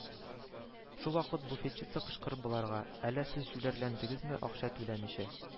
Шул вакыт буфетчица кычкыра боларга: «Әллә сез җүләрләндегезме, акча түләмичә